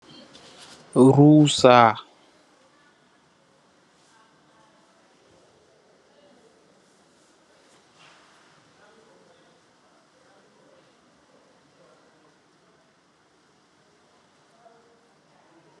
Rousaah